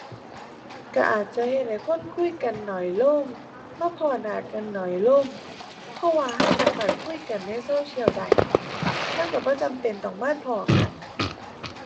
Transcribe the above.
ก็อาจจะเฮ็ดให้คนคุยกันน้อยลงมาพ้อหน้ากันน้อยลง เพราะว่าก็สามารถคุยกันในโซเชียลได้มันก็บ่จำเป็นต้องมาพ้อกัน